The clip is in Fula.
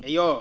eyyo